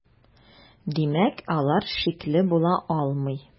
Димәк, алар шикле була алмый.